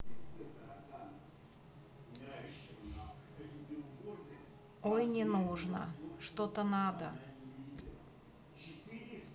ой не нужно что то надо